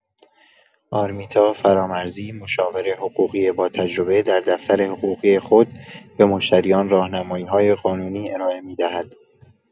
آرمیتا فرامرزی، مشاور حقوقی با تجربه، در دفتر حقوقی خود به مشتریان راهنمایی‌های قانونی ارائه می‌دهد.